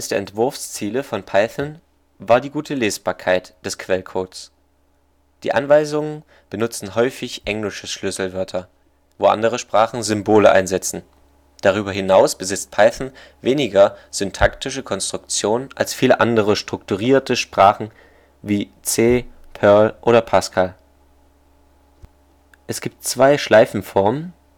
Entwurfsziele für Python war die gute Lesbarkeit des Quellcodes. Die Anweisungen benutzen häufig englische Schlüsselwörter, wo andere Sprachen Symbole einsetzen. Darüber hinaus besitzt Python weniger syntaktische Konstruktionen als viele andere strukturierte Sprachen wie C, Perl oder Pascal: zwei Schleifenformen